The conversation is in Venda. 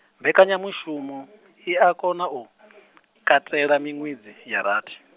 mbekanyamushumo, i a kona u, katela miṅwedzi ya rathi.